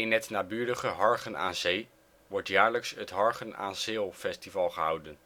het naburige Hargen aan Zee wordt jaarlijks het Hargen aan Sail festival gehouden